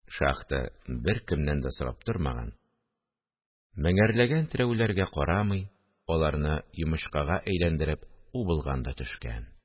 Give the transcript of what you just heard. Шахта беркемнән дә сорап тормаган, меңәрләгән терәүләргә карамый, аларны йомычкага әйләндереп убылган да төшкән